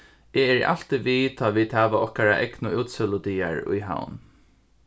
eg eri altíð við tá vit hava okkara egnu útsøludagar í havn